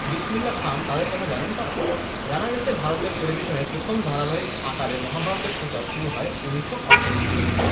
বিসমিল্লা খান তাঁদের কথা জানেন তাঁরা জানা গেছে ভারতের টেলিভিশনে প্রথম ধারাবাহিক আকারে মহাভারত এর প্রচার শুরু হয় ১৯৮৮ সালে